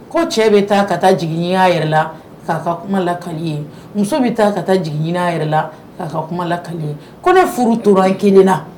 Ko cɛ be taa ka taa jigi ɲini a yɛrɛ la k'a ka kuma lakali ye muso bi taa ka taa jigi ɲini a yɛrɛ la k'a ka kuma lakali ye ko n'o furu tora i 1 na